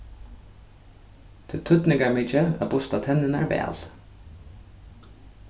tað er týdningarmikið at busta tenninar væl